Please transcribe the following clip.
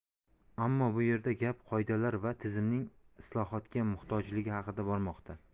ammo bu yerda gap qoidalar va tizimning islohotga muhtojligi haqida bormoqda